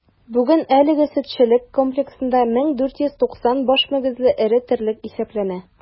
Бүген әлеге сөтчелек комплексында 1490 баш мөгезле эре терлек исәпләнә.